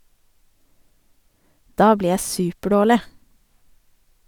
Da blir jeg superdårlig.